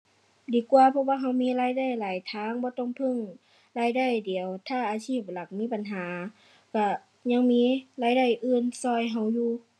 ดีกว่าเพราะว่าเรามีรายได้หลายทาง บ่ต้องพึ่งรายได้เดียว ถ้าอาชีพหลักมีปัญหาเรายังมีรายได้อื่นเราเราอยู่